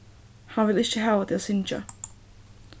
hann vil ikki hava teg at syngja